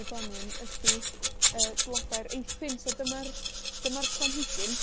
y Gwanwyn ydi, yy blodau'r Eithin. So dyma'r, dyma'r planhigyn.